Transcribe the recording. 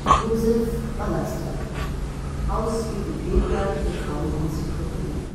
Josef Vallaster, aus Wikipedia, der freien Enzyklopädie